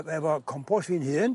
Efo compos fi'n hun.